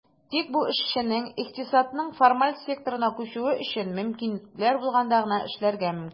Тик бу эшченең икътисадның формаль секторына күчүе өчен мөмкинлекләр булганда гына эшләргә мөмкин.